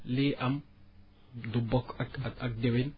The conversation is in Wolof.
liy am du bokk ak ak ak déwén